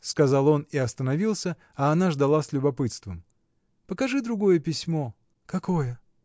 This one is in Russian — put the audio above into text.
— сказал он и остановился, а она ждала с любопытством. — Покажи другое письмо! — Какое?